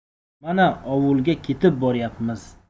mana ovulga ketib boryapmiz